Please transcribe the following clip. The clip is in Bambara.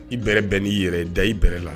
I bɛrɛ bɛn n'i yɛrɛ ye, dan i bɛrɛ la